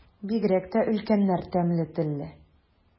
Бигрәк тә өлкәннәр тәмле телле.